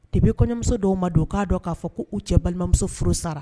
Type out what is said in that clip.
De bɛ kɔɲɔmuso dɔw ma don k'a dɔn k'a fɔ k'u cɛ balimamuso furu sara